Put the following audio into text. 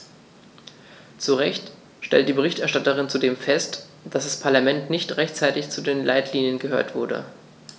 Zu Recht stellt die Berichterstatterin zudem fest, dass das Parlament nicht rechtzeitig zu den Leitlinien gehört wurde.